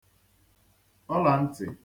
ọlà ntị̀